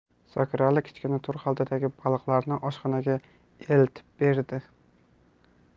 zokirali kichkina to'r xaltadagi baliqlarni oshxonaga eltib berdi